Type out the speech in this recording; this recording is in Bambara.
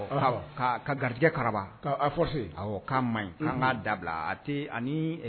Garijɛ' man ɲi dabila